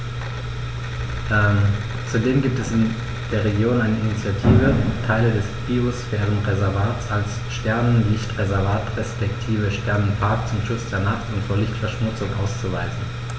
Zudem gibt es in der Region eine Initiative, Teile des Biosphärenreservats als Sternenlicht-Reservat respektive Sternenpark zum Schutz der Nacht und vor Lichtverschmutzung auszuweisen.